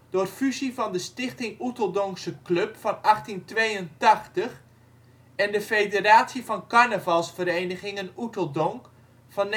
door fusie van de ' Stichting Oeteldonksche Club van 1882 ' en de ' Federatie van Carnavalsverenigingen Oeteldonk van